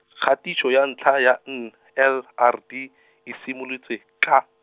kgatiso ya ntlha ya N L R D, e simolotswe, ka.